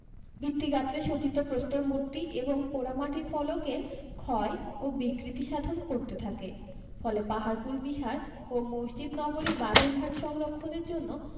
ভিত্তি ভিত্তিগাত্রে সজ্জিত প্রস্তর মূর্তি এবং পোড়ামাটির ফলকের ক্ষয় ও বিকৃতি সাধন করতে থাকে ফলে পাহারপুর বিহার ও মসজিদ নগরী বাগেরহাট সংরক্ষণের জন্য